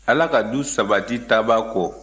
ala ka du sabati taabaa kɔ